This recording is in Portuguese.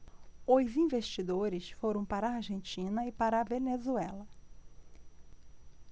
os investidores foram para a argentina e para a venezuela